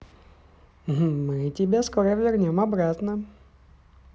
мы тебя скоро вернем обратно